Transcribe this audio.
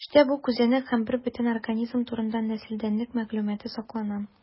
Төштә бу күзәнәк һәм бербөтен организм турында нәселдәнлек мәгълүматы саклана.